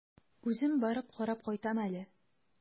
Үзем барып карап кайтам әле.